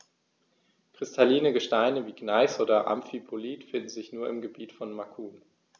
Kristalline Gesteine wie Gneis oder Amphibolit finden sich nur im Gebiet von Macun.